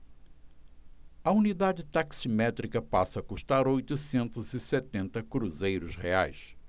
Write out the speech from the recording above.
a unidade taximétrica passa a custar oitocentos e setenta cruzeiros reais